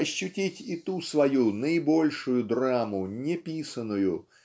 ощутить и ту свою наибольшую драму неписаную